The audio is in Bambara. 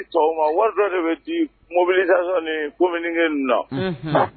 Wari bɛɛ de bɛ di mobilisation ni communiqué ninnu na